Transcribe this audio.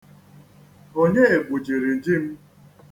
Onye gbujiri ji m?